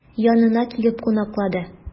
Янына килеп кунаклады.